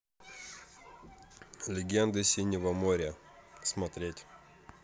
легенды синего моря смотреть